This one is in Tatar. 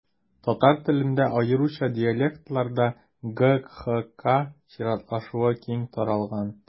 Татар телендә, аеруча диалектларда, г-х-к чиратлашуы киң таралган.